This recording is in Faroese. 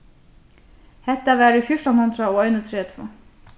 hetta var í fjúrtan hundrað og einogtretivu